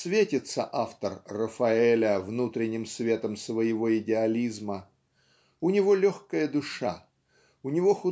Светится автор "Рафаэля" внутренним светом своего идеализма у него легкая душа у него